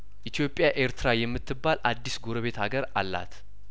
ኢትዮጵያ ኤርትራ የምትባል አዲስ ጐረቤት ሀገር አላት